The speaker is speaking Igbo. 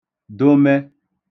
domẹ